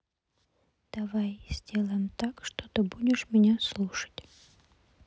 давай сделаем так что ты будешь меня слушать